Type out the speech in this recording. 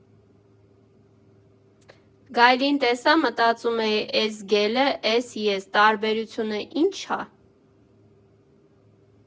«Գայլին տեսա, մտածում էի՝ էս գելը, էս ես՝ տարբերությունն ի՞նչ ա»։